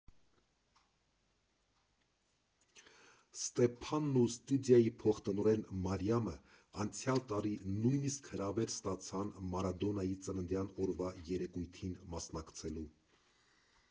Ստեփանն ու ստուդիայի փոխտնօրեն Մարիամը անցյալ տարի նույնիսկ հրավեր ստացան Մարադոնայի ծննդյան օրվա երեկույթին մասնակցելու։